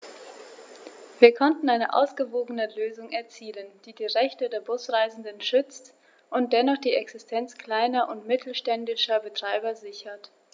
Wir konnten eine ausgewogene Lösung erzielen, die die Rechte der Busreisenden schützt und dennoch die Existenz kleiner und mittelständischer Betreiber sichert.